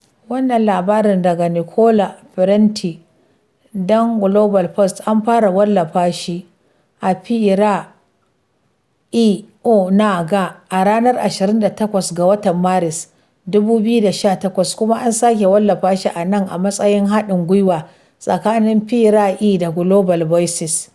Wannan labarin daga Nicola Prentis don GlobalPost an fara wallafa shi a PRI.org a ranar 28 ga watan Maris, 2018, kuma an sake wallafa shi a nan a matsayin haɗin gwiwa tsakanin PRI da Global Voices.